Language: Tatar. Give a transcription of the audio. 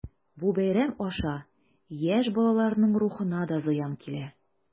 Бу бәйрәм аша яшь балаларның рухына да зыян килә.